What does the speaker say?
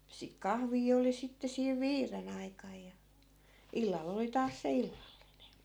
sitten kahvia oli sitten siinä viiden aikaan ja illalla oli taas se illallinen